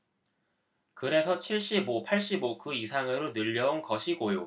그래서 칠십 오 팔십 오 그 이상으로 늘려온 것이고요